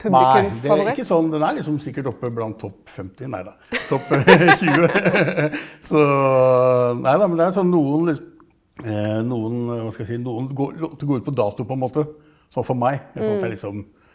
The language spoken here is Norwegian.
nei det er ikke sånn den er liksom sikkert oppe blant topp 50 nei da topp 20 så nei da men det er sånn noen noen, hva skal jeg si, noen låter går ut på dato på en måte sånn for meg uten at det er liksom.